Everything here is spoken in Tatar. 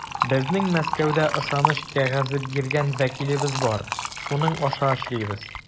Безнең Мәскәүдә ышаныч кәгазе биргән вәкилебез бар, шуның аша эшлибез.